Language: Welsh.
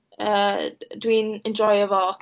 Yy, dwi'n enjoio fo.